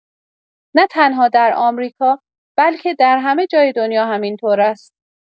نه‌تنها در آمریکا، بلکه در همه‌جای دنیا همین‌طور است.